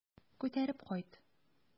Күтәреп кайт.